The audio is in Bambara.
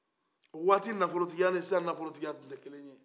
o waati nafɔlotigiya ani sisan nafɔlotigiya tun tɛ kelen ye